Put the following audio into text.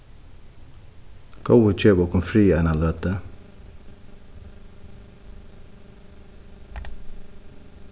góði gev okum frið eina løtu